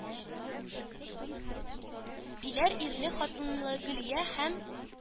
– диләр ирлехатынлы гөлия һәм